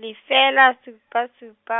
lefela supa supa,